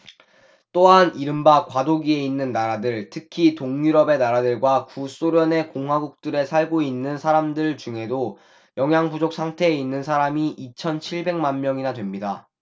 또한 이른바 과도기에 있는 나라들 특히 동유럽의 나라들과 구소련의 공화국들에 살고 있는 사람들 중에도 영양 부족 상태에 있는 사람이 이천 칠백 만 명이나 됩니다